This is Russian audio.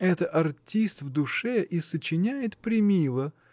Это -- артист в душе и сочиняет премило.